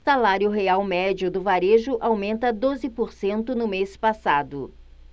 salário real médio do varejo aumenta doze por cento no mês passado